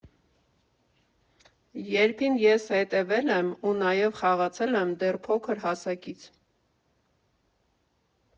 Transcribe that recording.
Ե՞րբ»֊ին ես հետևել եմ ու նաև խաղացել դեռ փոքր հասակից։